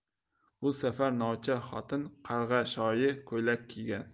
bu safar novcha xotin qarg'ashoyi ko'ylak kiygan